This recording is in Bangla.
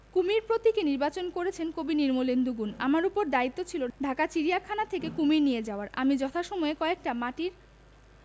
কুমীর প্রতীকে নির্বাচন করেছেন কবি নির্মলেন্দু গুণ আমার উপর দায়িত্ব ছিল ঢাকা চিড়িয়াখানা থেকে কুমীর নিয়ে যাওয়ার আমি যথাসময়ে কয়েকটা মাটির